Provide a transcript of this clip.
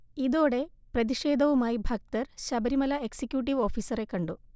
ഇതോടെ പ്രതിഷേധവുമായി ഭക്തർ ശബരിമല എക്സിക്യൂട്ടീവ് ഓഫീസറെ കണ്ടു